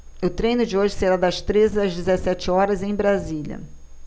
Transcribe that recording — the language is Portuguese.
o treino de hoje será das treze às dezessete horas em brasília